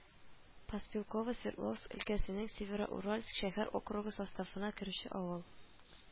Поспелкова Свердловск өлкәсенең Североуральск шәһәр округы составына керүче авыл